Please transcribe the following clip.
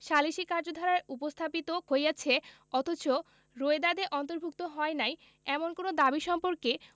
সালিসী কার্যধারায় উপস্থাপিত হইয়াছে অথচ রোয়েদাদে অন্তর্ভুক্ত হয় নাই এমন কোন দাবী সম্পর্কে